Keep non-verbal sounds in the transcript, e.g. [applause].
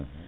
[hesitation] [hesitation]